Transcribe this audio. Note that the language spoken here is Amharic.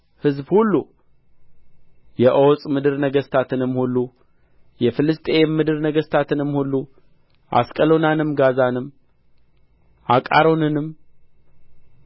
ሕዝብ ሁሉ የዖፅ ምድር ነገሥታትንም ሁሉ የፍልስጥኤም ምድር ነገሥታትንም ሁሉ አስቀሎናንም ጋዛንም አቃሮንንም